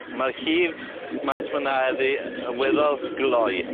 Ma'r llif mas ma' 'na eddi yn weddol gloi.